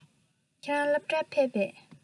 ཁྱེད རང སློབ གྲྭར ཕེབས པས